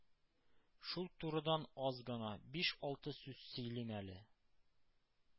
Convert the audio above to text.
Шул турыдан аз гына — биш-алты сүз сөйлим әле,